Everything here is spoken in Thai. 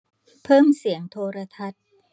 เพิ่มเสียงโทรทัศน์